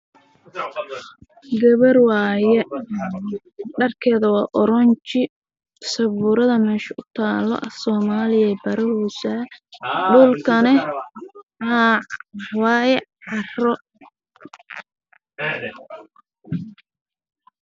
Gabar waayo dharkeda waa oranji